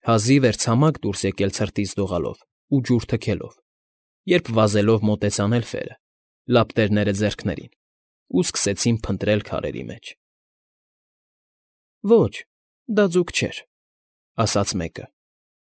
Հազիվ էր ցամաք դուրս եկել ցրտից դողալով ու ջուր թքելով, երբ վազելով մոտեցան էլֆերը, լապտերները ձեռքներին, ու սկսեցին փնտրել քարերի մեջ։ ֊ Ոչ, դա ձուկ չէր,֊ ասաց մեկը։